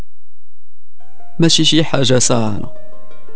ماشي حاجه ساره